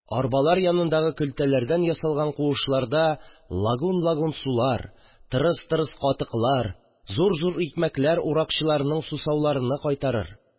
Арбалар янындагы көлтәләрдән ясаган куышларда лагун-лагун сулар, тырыс-тырыс катыклар, зур-зур икмәкләр уракчыларның сусауларыны кайтарыр